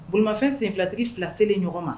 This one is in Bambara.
Bolimanfɛn sen filatigi fila selen ɲɔgɔn ma